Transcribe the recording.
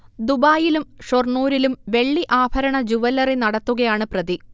ദുബായിലും ഷൊർണൂരിലും വെള്ളിആഭരണ ജൂവലറി നടത്തുകയാണ് പ്രതി